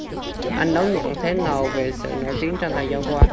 anh đón nhận thế nào về sự nổi tiếng trong thời gian